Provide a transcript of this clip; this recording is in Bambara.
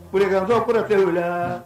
Urerekanso kotɛw la